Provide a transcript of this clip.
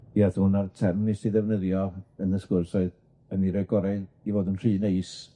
Ie, so hwnna'r term wnes i ddefnyddio yn y sgwrs oedd 'yn ni roi gorau i fod yn rhy neis.